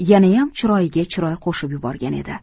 ham chiroyiga chiroy qo'shib yuborgan edi